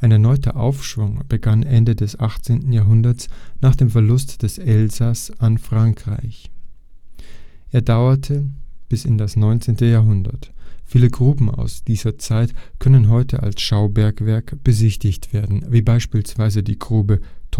erneuter Aufschwung begann Anfang des 18. Jahrhunderts nach dem Verlust des Elsass an Frankreich. Er dauerte bis in das 19. Jahrhundert. Viele Gruben aus dieser Zeit können heute als Schaubergwerk besichtigt werden, wie beispielsweise die Grube Teufelsgrund